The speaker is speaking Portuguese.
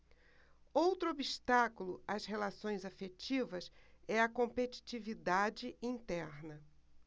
outro obstáculo às relações afetivas é a competitividade interna